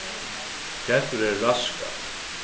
gentur eru raskar